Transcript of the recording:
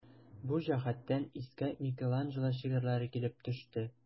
Бу җәһәттән искә Микеланджело шигырьләре килеп төште.